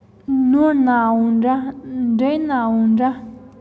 བྱས རྗེས ཡིན ནའང འདྲ ཚང མ ཁྱེད ཚོའི རེད